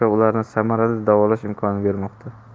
va ularni samarali davolash imkonini bermoqda